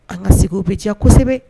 An ka sigiw bɛ diya kosɛbɛ!